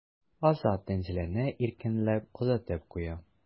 Азат Тәнзиләне иркенләп озатып куя.